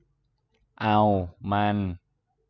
เอามัน